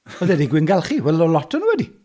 Oedd 'di gwyngalchu. Wel, oedd lot o nhw wedi.